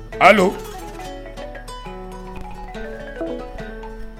A